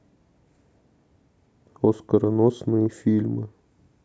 оскароносные фильмы